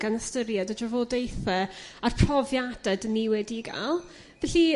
gan ystyried y drafodaethe a'r profiade dyn ni wedi'u ga'l. Felly